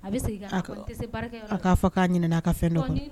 A a k'a fɔ k'a ɲinin a ka fɛn dɔn